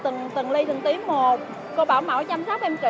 từng từng li từng tí một cô bảo mẫu chăm sóc